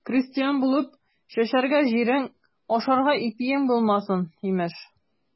Крестьян булып, чәчәргә җирең, ашарга ипиең булмасын, имеш.